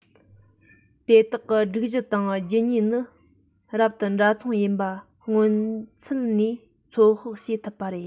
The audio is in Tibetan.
དེ དག གི སྒྲིག གཞི དང རྒྱུད ཉེ ནི རབ ཏུ འདྲ མཚུངས ཡིན པ སྔོན ཚུད ནས ཚོད དཔག བྱེད ཐུབ པ རེད